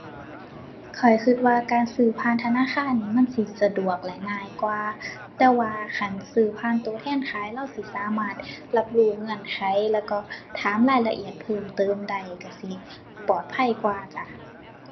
ข้อยคิดว่าการซื้อผ่านธนาคารนี่มันสิสะดวกและง่ายกว่า แต่ว่าคันซื้อผ่านคิดแทนขายเราสิสามารถ รับรู้เงื่อนไขแล้วก็ถามรายละเอียดเพิ่มเติมได้ คิดสิปลอดภัยกว่าจ้ะ